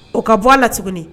O ka bɔ a la tuguni